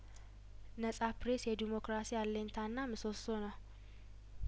ነጻ ፕሬስ የዴሞክራሲ አለኝታናምሰሶ ነው